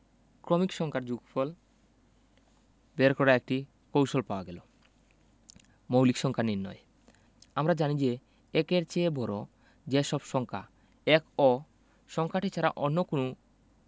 ক্রমিক সংখ্যার যোগফল বের করা একটি কৌশল পাওয়া গেল মৌলিক সংখ্যা নির্ণয় আমরা জানি যে ১-এর চেয়ে বড় যে সব সংখ্যা ১ ও সংখ্যাটি ছাড়া অন্য কোনো